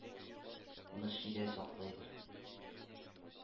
Мөршидә саклыйдыр